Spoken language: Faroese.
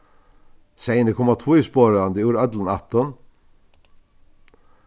seyðirnir koma tvísporandi úr øllum ættum